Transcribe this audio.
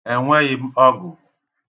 E nweghị m ọgụ.